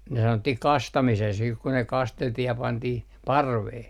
ne sanottiin kastamiseksi sitten kun ne kasteltiin ja pantiin parveen